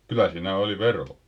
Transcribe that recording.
kyllä siinä oli veroa